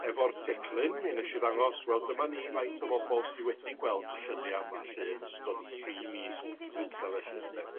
efo'r teclyn mi nesh i ddangos wel dyma ni faint o bobol sy wedi gweld y llynia yma 'lly yn ystod y tri mis dwytha felly ynde.